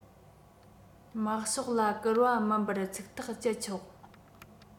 དམག ཕྱོགས ལ བསྐུར བ མིན པར ཚིག ཐག བཅད ཆོག